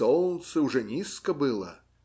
солнце уже низко было